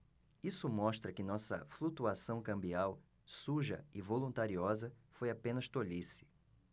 isso mostra que nossa flutuação cambial suja e voluntariosa foi apenas tolice